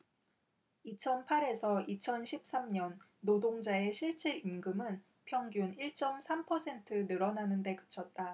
이천 팔 에서 이천 십 삼 년 노동자의 실질임금은 평균 일 쩜 삼 퍼센트 늘어나는 데 그쳤다